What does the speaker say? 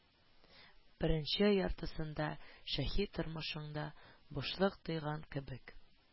Беренче яртысында шәхси тормышыңда бушлык тойган кебек